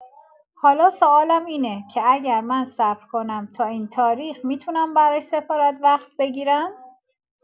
حالا سوالم اینه که اگر من صبر کنم تا این تاریخ می‌تونم برای سفارت وقت بگیرم؟